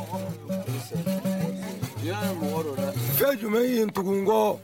Jumɛn ye tugun